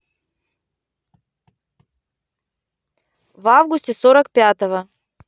в августе сорок пятого